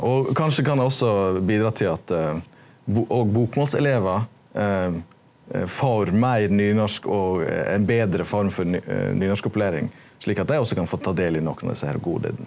og kanskje kan det ogso bidra til at òg bokmålselevar får meir nynorsk og ein betre form for nynorskopplæring slik at dei ogso kan få ta del i nokon av desse her godane.